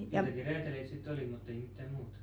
kyllä niitä räätäleitä sitten oli mutta ei mitään muuta